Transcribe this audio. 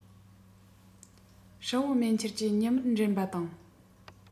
སྲིན བུ མེ ཁྱེར གྱིས ཉི མར འགྲན པ དང